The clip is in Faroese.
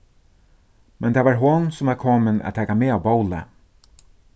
men tað var hon sum var komin at taka meg á bóli